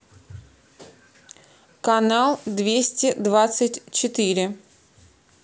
канал двести двадцать четыре